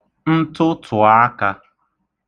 ntụtụ̀akā